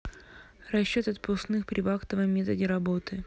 расчет отпускных при вахтовом методе работы